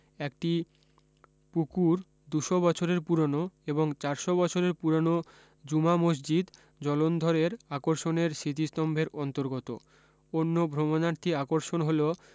একটি পুকুর দুশো বছরের পুরানো এবং চারশো বছরের পুরানো জুমা মসজিদ জলন্ধরের আকর্ষণের স্মৃতিস্তম্ভের অন্তর্গত অন্য ভ্রমণার্থী আকর্ষণ হল